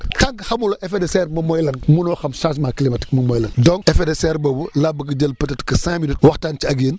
tant que xamuloo effet de serre bi moom mooy lan munoo xam changement climatique moom mooy lan donc effet de serre boobu laa bëgg a jël peut être que cinq minutes waxtaan ci ak yéen